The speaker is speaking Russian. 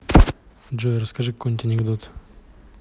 джой расскажи какой нибудь анекдот